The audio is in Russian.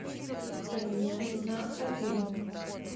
поменяй на афину